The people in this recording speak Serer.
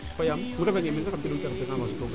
xoyaam im refa nge meen sax xam jika nong carburant fa